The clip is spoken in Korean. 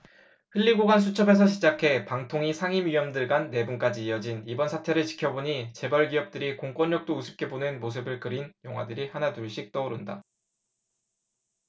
흘리고간 수첩에서 시작해 방통위 상임위원들 간 내분까지 이어진 이번 사태를 지켜보니 재벌 기업들이 공권력도 우습게 보는 모습을 그린 영화들이 하나둘씩 떠오른다